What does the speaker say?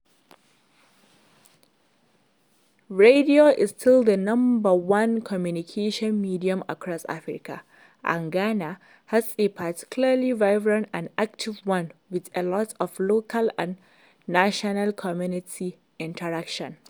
Radio is still the number one communications medium across Africa, and Ghana has a particularly vibrant and active one with a lot of local and national community interaction.